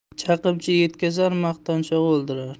chaqimchi yetkazar maqtanchoq o'ldirar